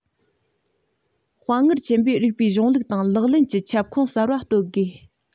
དཔའ ངར ཆེན པོས རིགས པའི གཞུང ལུགས དང ལག ལེན གྱི ཁྱབ ཁོངས གསར པ གཏོད དགོས